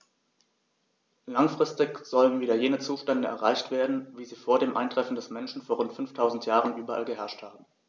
Langfristig sollen wieder jene Zustände erreicht werden, wie sie vor dem Eintreffen des Menschen vor rund 5000 Jahren überall geherrscht haben.